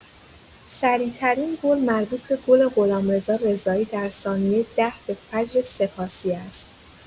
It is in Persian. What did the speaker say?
سریع‌ترین گل مربوط به گل غلامرضا رضایی در ثانیه ۱۰ به فجرسپاسی است.